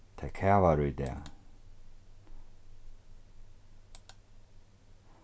tað kavar í dag